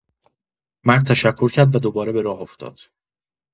مرد تشکر کرد و دوباره به راه افتاد.